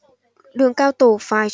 đường cao tổ phái